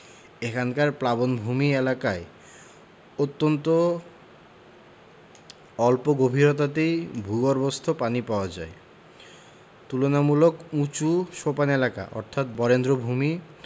এখানকার প্লাবনভূমি এলাকায় অত্যন্ত অল্প গভীরতাতেই ভূগর্ভস্থ পানি পাওয়া যায় তুলনামূলক উঁচু সোপান এলাকা অর্থাৎ বরেন্দ্রভূমি